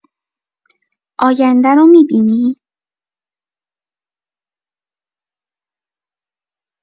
آینده رو می‌بینی؟